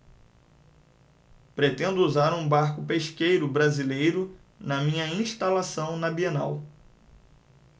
pretendo usar um barco pesqueiro brasileiro na minha instalação na bienal